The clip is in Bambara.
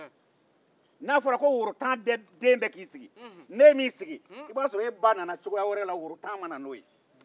n'a fɔra ko woro tan bɛɛ k'i sigi ni e m'i sigi i b'a sɔrɔ e ba nana cogoya wɛre woro tan ma na n'o ye